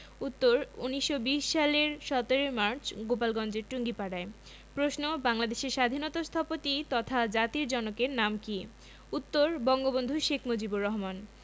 উত্তর ১৯২০ সালের ১৭ মার্চ গোপালগঞ্জের টুঙ্গিপাড়ায় প্রশ্ন বাংলাদেশের স্বাধীনতার স্থপতি তথা জাতির জনকের নাম কী উত্তর বঙ্গবন্ধু শেখ মুজিবুর রহমান